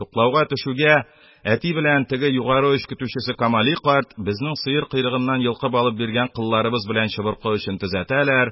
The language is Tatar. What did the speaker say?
Туплауга төшүгә әти белән теге югарыгы оч көтүчесе Камали карт безнең сыер койрыгыннан йолкып алып биргән кылларыбыз белән чыбыркы очын төзәтәләр,